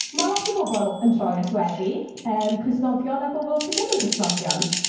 Ma' lot o bobl yn troi at weddi. Yym, Cristnogion a bobl sydd ddim yn Gristnogion.